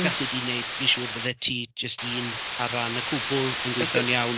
Galli di neud, fi'n siŵr, fyddet ti jyst un ar ran y cwbl yn gweithio'n... 'na ti... iawn.